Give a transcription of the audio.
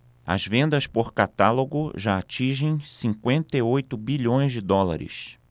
as vendas por catálogo já atingem cinquenta e oito bilhões de dólares